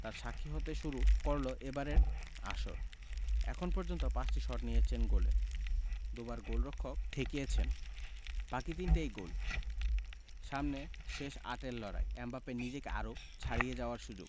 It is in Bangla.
তার সাক্ষী হতে শুরু করল এবারের আসর এখন পর্যন্ত ৫টি শট নিয়েছেন গোলে দুবার গোলরক্ষক ঠেকিয়েছেন বাকি তিনটাই গোল সামনে শেষ আটের লড়াই এমবাপ্পের নিজেকে আরও ছাড়িয়ে যাওয়ার সুযোগ